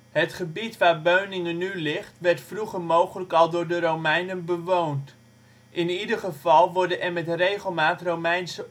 Het gebied waar Beuningen nu ligt werd vroeger mogelijk al door de Romeinen bewoond. In ieder geval worden er met regelmaat Romeinse